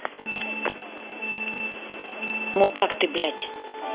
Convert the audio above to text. мудак ты блядь